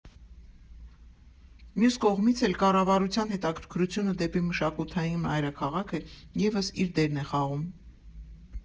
Մյուս կողմից էլ՝ կառավարության հետաքրքրությունը դեպի մշակութային մայրաքաղաքը ևս իր դերն է խաղում։